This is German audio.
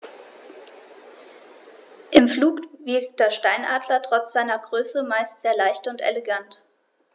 Im Flug wirkt der Steinadler trotz seiner Größe meist sehr leicht und elegant.